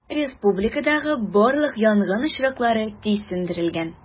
Республикадагы барлык янгын очраклары тиз сүндерелгән.